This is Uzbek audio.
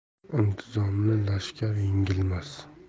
intizomli lashkar yengilmas